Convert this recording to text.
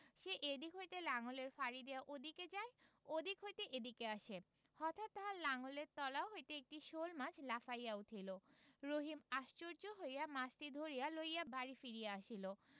সে এদিক হইতে লাঙলের ফাড়ি দিয়া ওদিকে যায় ওদিক হইতে এদিকে আসে হঠাৎ তাহার লাঙলের তলা হইতে একটি শোলমাছ লাফাইয়া উঠিল রহিম আশ্চর্য হইয়া মাছটি ধরিয়া লইয়া বাড়ি ফিরিয়া আসিল